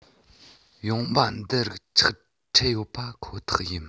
ཡོང འབབ འདི རིགས ཆག འཕྲད ཡོད པ ཁོ ཐག ཡིན